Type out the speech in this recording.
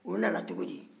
o nana cogo di